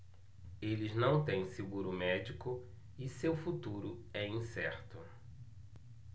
eles não têm seguro médico e seu futuro é incerto